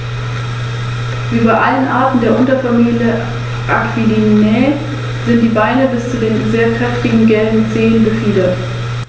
Auffallend ist neben der für Adler typischen starken Fingerung der Handschwingen der relativ lange, nur leicht gerundete Schwanz.